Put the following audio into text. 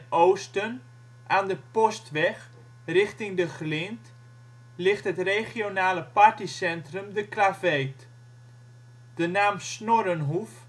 oosten, aan de Postweg richting De Glind, ligt het regionale partycentrum De Klaveet. De naam " Snorrenhoef